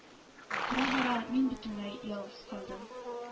Тора-бара мин бөтенләй ялгыз калдым